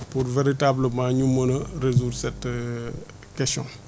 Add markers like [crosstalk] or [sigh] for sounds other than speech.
pour véritablement ñu mën a résoudre certaines [hesitation] questions